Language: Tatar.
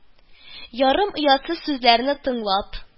Ярым оятсыз сүзләрне тыңлап